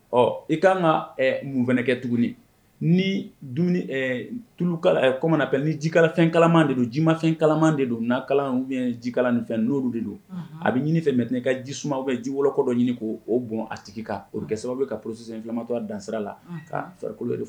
Ɔ i ka na mun fanakɛ tuguni ni tulukala kɔmana ni jikalafɛn kalaman de don jiumafɛn kalaman de don ji kala nin fɛn n' de don a bɛ ɲini fɛ mɛ tɛmɛ ka ji sumauma fɛ ji wɔɔrɔkɔ dɔ ɲini k' o bon a tigi ka o sababu bɛ ka porosi filamatɔ a dansira la ka farakolo de